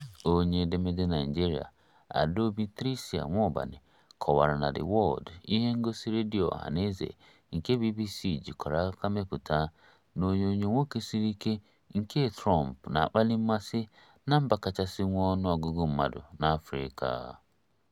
Onye edemede Naịjirịa Adaobi Tricia Nwaubani kọwara na The World, ihe ngosi redio ọha na eze nke BBC jikọrọ aka mepụta, na "onyinyo nwoke siri ike" nke Trump na-akpali mmasị na mba kachasị nwee ọnụ ọgụgụ mmadụ n'Africa: